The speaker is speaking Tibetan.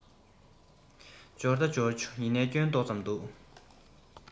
འབྱོར ད འབྱོར བྱུང ཡིན ནའི སྐྱོན ཏོག ཙམ འདུག